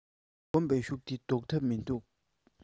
གོམས པའི ཤུགས འདི བཟློག ཐབས མིན འདུག